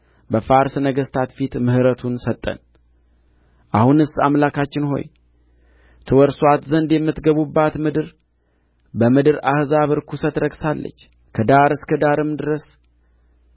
በፋርስ ነገሥታት ፊት ምሕረቱን ሰጠን አሁንስ አምላካችን ሆይ ትወርሱአት ዘንድ የምትገቡባት ምድር በምድር አሕዛብ ርኵሰት ረክሳለች ከዳር እስከ ዳርም ድረስ